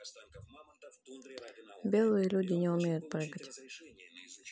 белые люди не умеют прыгать